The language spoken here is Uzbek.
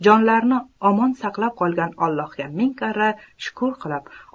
jonlarini omon saqlab qolgan ollohga ming karra shukr qilib